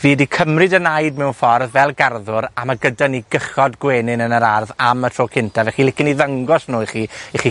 Fi 'di cymryd y naid, mewn ffordd, fel garddwr, a ma' gyda ni gychod gwenyn yn yr ardd am y tro cynta. Felly licen i ddangos nw i chi, i chi